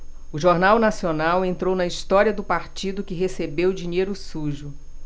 o jornal nacional entrou na história do partido que recebeu dinheiro sujo